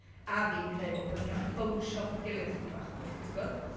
a fi'n creu, fel bo’ ni'n gallu bownsio off ein gilydd ychydig bach mwy, tibod?